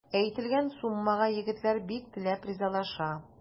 Әйтелгән суммага егетләр бик теләп ризалаша.